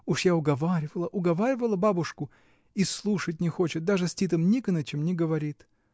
уж я уговаривала, уговаривала бабушку — и слушать не хочет, даже с Титом Никонычем не говорит.